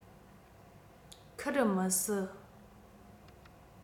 ཁུར མི སྲིད